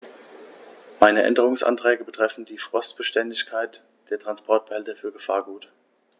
Meine Änderungsanträge betreffen die Frostbeständigkeit der Transportbehälter für Gefahrgut.